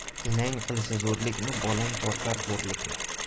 enang qilsa zo'rlikni bolang tortar xo'rlikni